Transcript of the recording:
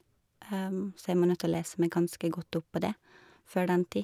Så jeg må nødt å lese meg ganske godt opp på det før den tid.